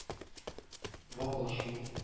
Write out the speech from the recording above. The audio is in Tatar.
Ваклашу